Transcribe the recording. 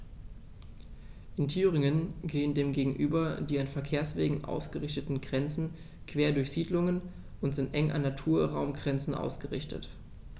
In Thüringen gehen dem gegenüber die an Verkehrswegen ausgerichteten Grenzen quer durch Siedlungen und sind eng an Naturraumgrenzen ausgerichtet.